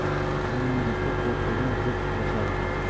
ayrimlar esa qo'rquvdan zir titrashadi ham